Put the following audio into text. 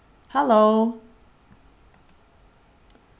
halló